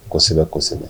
Kosɛbɛ kosɛbɛ